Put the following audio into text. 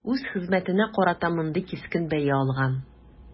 Үз хезмәтенә карата мондый кискен бәя алган.